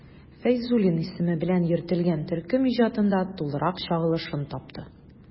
Фәйзуллин исеме белән йөртелгән төркем иҗатында тулырак чагылышын тапты.